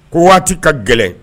Ko waati ka gɛlɛn